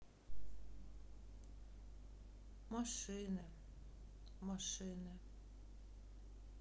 машины машины